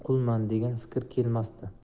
qulman degan fikr kelmasdi